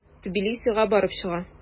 Тбилисига барып чыга.